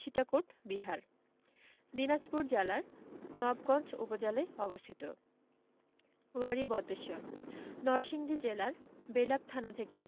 সীতাকোট বিহার দিনাজপুর জেলার নওয়াবগঞ্জ উপজেলায় অবস্থিত ওয়ারী বটেশ্বর নরসিংদী জেলার বেলাব থানা থেকে